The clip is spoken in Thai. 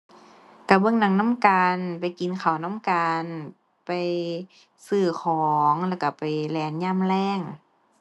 ก็เบิ่งหนังนำกัน ไปกินข้าวนำกัน ไปซื้อของ แล้วก็ไปแล่นยามแลง